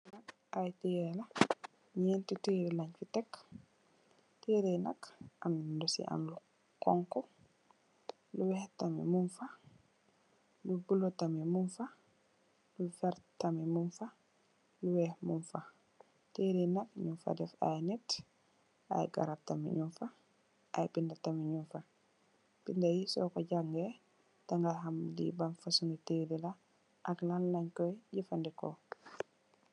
Ay terre la, nyenti terre lange fi tekk. Terre yi nak am an yu si am lu xonxu, lu bulo tamit mungfa, lu vert tamit mungfa, lu weex mungfa. Terre yi nak ñung fa def ay nit, ay garapp tamit mungfa, ay binda tamit mungfa. Binda yi so ko jangeh danga xam li ban fosongi terre la ak lan lankoy jafandeko.